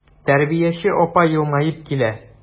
Тәрбияче апа елмаеп килә.